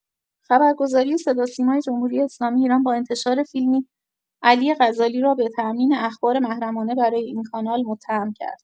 خبرگزاری صداوسیمای جمهوری‌اسلامی ایران با انتشار فیلمی «علی غزالی» را به تامین اخبار محرمانه برای این کانال متهم کرد.